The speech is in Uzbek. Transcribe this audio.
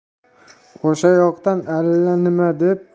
o'sha yoqdan allanima deb